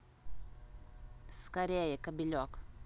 скорее кобелек